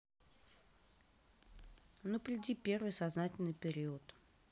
ну приди первый сознательный период